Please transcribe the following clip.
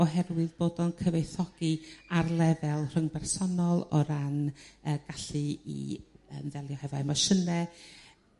Oherwydd bod o'n cyfoethogi ar lefel rhyng bersonol o ran y gallu i yrm delio hefo emosiyne